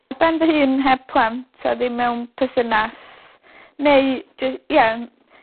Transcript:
Ar ben fy hun heb plant a ddim mewn perthynas neu jy- ie m-